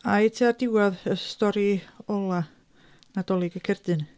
A i i tua'r diwedd y stori ola Nadolig y Cerdyn...